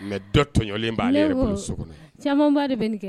Mɛ dɔlen